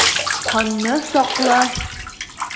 Ханны сакла!